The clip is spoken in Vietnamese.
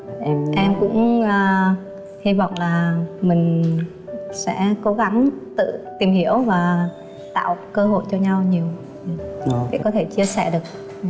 em cũng a hy vọng là mình sẽ cố gắng tự tìm hiểu và tạo cơ hội cho nhau nhiều để có thể chia sẻ được